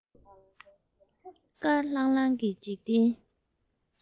དཀར ལྷང ལྷང གི འཇིག རྟེན